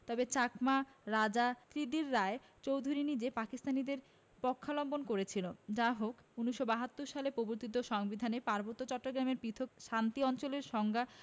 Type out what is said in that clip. তবে চাকমা রাজা ত্রিদির রায় চৌধুরী নিজে পাকিস্তানীদের পক্ষাবলম্বন করেছিল যাহোক ১৯৭২ সনে প্রবর্তিত সংবিধানে পার্বত্য চট্টগ্রামের পৃথক শান্তি অঞ্চলের সংজ্ঞা